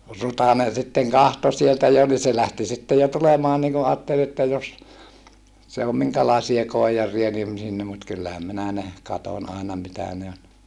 Rutanen sitten katsoi sieltä jo niin se lähti sitten jo tulemaan niin kun ajatteli että jos se on minkälaisia koijareita niin sinne mutta kyllähän minä ne katsoin aina mitä ne on